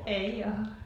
ei ole